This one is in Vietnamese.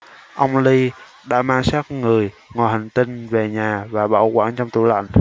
ông li đã mang xác người ngoài hành tinh về nhà và bảo quản trong tủ lạnh